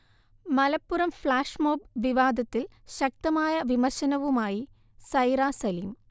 Malappuram flash mob വിവാദത്തിൽ ശക്തമായ വിമർശനവുമായി സൈറ സലീം